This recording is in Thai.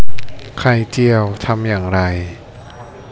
ไข่เจียวทำอย่างไร